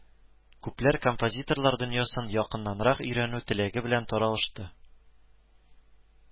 Күпләр композиторлар дөньясын якыннанрак өйрәнү теләге белән таралышты